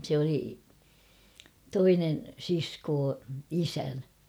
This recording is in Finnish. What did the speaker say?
se oli toinen sisko isän